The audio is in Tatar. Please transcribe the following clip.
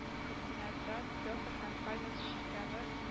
Хотняда Петр һәм Павел чиркәве